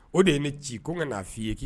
O de ye ne ci ko ka na' f fɔi ye kɛ